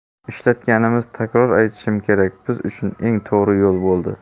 ishlatganimiz takror aytishim kerak biz uchun eng to'g'ri yo'l bo'ldi